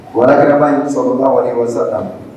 Warakɛba in sɔrɔla la wale o sada